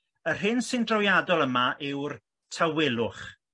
yr hyn sy'n drawiadol yma yw'r tawelwch